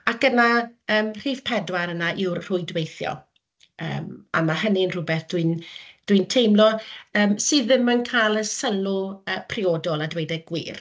Ac yna yym rhif pedwar yna yw'r rhwydweithio, yym a ma' hynny'n rhywbeth dwi'n dwi'n teimlo sydd ddim yn cael y sylw priodol a dweud y gwir.